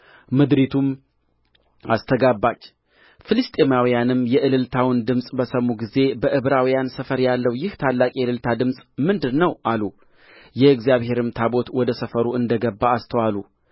ምድሪቱም አስተጋባች ፍልስጥኤማውያንም የእልልታውን ድምፅ በሰሙ ጊዜ በዕብራውያን ሰፈር ያለው ይህ ታላቅ የእልልታ ድምፅ ምንድር ነው አሉ የእግዚአብሔርም ታቦት ወደ ሰፈሩ እንደገባ አስተዋሉ